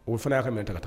O fana y' ka mɛn mɛ ta taa